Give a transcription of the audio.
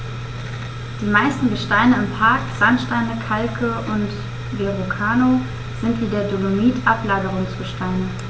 Die meisten Gesteine im Park – Sandsteine, Kalke und Verrucano – sind wie der Dolomit Ablagerungsgesteine.